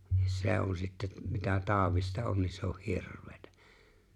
ja se on sitten - mitä taudista on niin se on hirveää